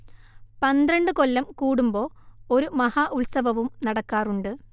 പന്ത്രണ്ടു കൊല്ലം കൂടുമ്പോ ഒരു മഹാ ഉത്സവവും നടക്കാറുണ്ട്